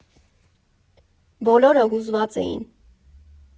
Բոլորը հուզված էին։